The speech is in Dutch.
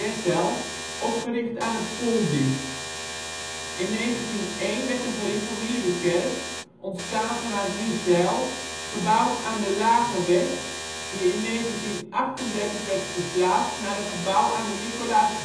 Bethel ') opgericht aan het Poeldiep. In 1901 werd een gereformeerde kerk (ontstaan vanuit Niezijl) gebouwd aan de Lageweg, die in 1938 werd verplaatst naar een gebouw aan de Nicolaas